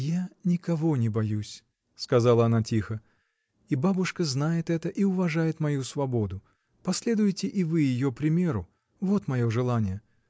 — Я никого не боюсь, — сказала она тихо, — и бабушка знает это и уважает мою свободу. Последуйте и вы ее примеру. Вот мое желание!